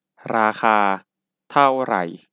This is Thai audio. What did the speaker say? ราคาเท่าไหร่